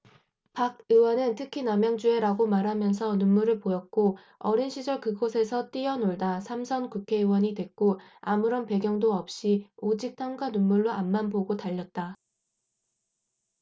박 의원은 특히 남양주에 라고 말하면서 눈물을 보였고 어린 시절 그곳에서 뛰어놀다 삼 선 국회의원이 됐고 아무런 배경도 없이 오직 땀과 눈물로 앞만 보고 달렸다